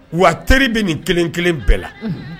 Wa teriri bɛ nin kelen kelen bɛɛ la